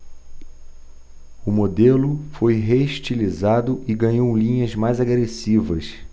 o modelo foi reestilizado e ganhou linhas mais agressivas